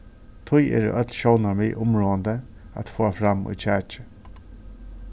tí eru øll sjónarmið umráðandi at fáa fram í kjakið